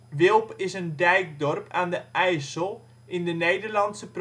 Wilp is een dijkdorp aan de IJssel in de Nederlandse